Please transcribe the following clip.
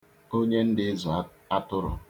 Onye ndị izụ atụrụ